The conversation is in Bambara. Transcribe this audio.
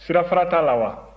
sirafara t'a la wa